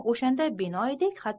o'shanda binoyiday